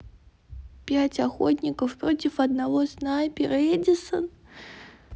пять охотников против одного снайпера эдисон